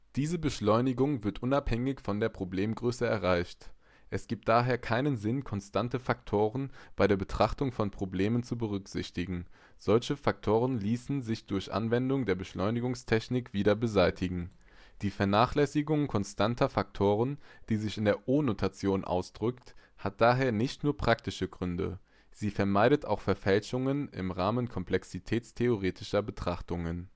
Diese Beschleunigung wird unabhängig von der Problemgröße erreicht. Es ergibt daher keinen Sinn, konstante Faktoren bei der Betrachtung von Problemen zu berücksichtigen – solche Faktoren ließen sich durch Anwendung der Beschleunigungstechnik wieder beseitigen. Die Vernachlässigung konstanter Faktoren, die sich in der O-Notation ausdrückt, hat daher nicht nur praktische Gründe, sie vermeidet auch Verfälschungen im Rahmen komplexitätstheoretischer Betrachtungen